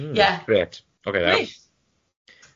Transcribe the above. Gret